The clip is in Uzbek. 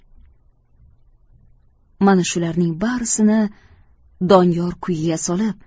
mana shularning barisini doniyor kuyga solib